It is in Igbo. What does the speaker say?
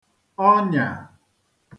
ọnyà